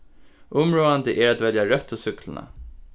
umráðandi er at velja røttu súkkluna